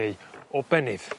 neu obennydd.